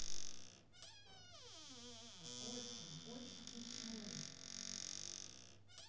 очень очень смешной